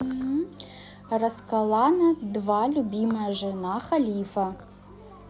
роксолана два любимая жена халифа